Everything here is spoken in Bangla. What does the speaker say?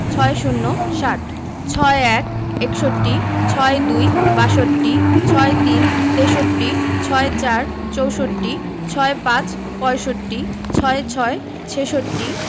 ৬০ - ষাট ৬১ – একষট্টি ৬২ – বাষট্টি ৬৩ – তেষট্টি ৬৪ – চৌষট্টি ৬৫ – পয়ষট্টি ৬৬ – ছেষট্টি